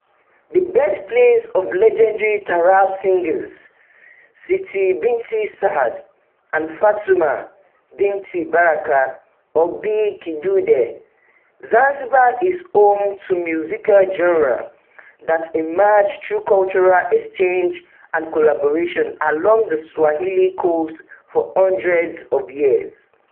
The birthplace of legendary taarab singers Siti Binti Saad and Fatuma Binti Baraka, or Bi. Kidude, Zanzibar is home to musical genres that emerged through cultural exchange and collaboration along the Swahili Coast for hundreds of years.